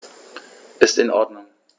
Ist in Ordnung.